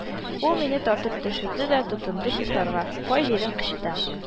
Ул мине тартып төшерде дә тотынды сосарга, кай җирең кычыта